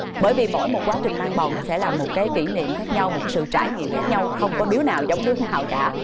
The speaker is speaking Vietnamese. bởi vì mỗi một quá trình mang bầu nó sẽ là một cái kỷ niệm khác nhau một cái sự trải nghiệm khác nhau không có đứa nào giống đứa nào cả